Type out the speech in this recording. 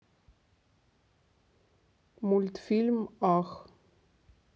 мультфильм ах